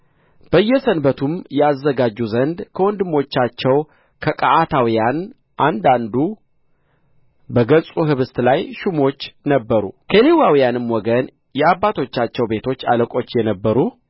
በየሰንበቱም ያዘጋጁ ዘንድ ከወንድሞቻቸው ከቀዓታውያን አንዳንዱ በገጹ ኅብስት ላይ ሹሞች ነበሩ ከሌዋውያኑም ወገን የአባቶቻቸው ቤቶች አለቆች የነበሩ